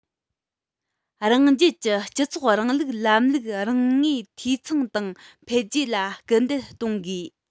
རང རྒྱལ གྱི སྤྱི ཚོགས རིང ལུགས ལམ ལུགས རང ངོས འཐུས ཚང དང འཕེལ རྒྱས ལ སྐུལ འདེད གཏོང དགོས